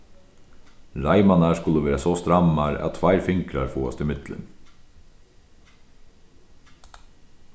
reimarnar skulu vera so strammar at tveir fingrar fáast ímillum